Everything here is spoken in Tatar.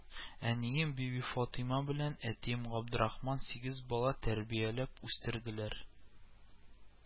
Әнием Бибифатыйма белән әтием Габдрахман сигез бала тәрбияләп үстерәләр